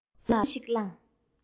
གདོང ལ འཛུམ ཞིག ལངས འདུག